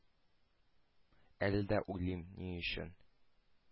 Әле дә уйлыйм: ни өчен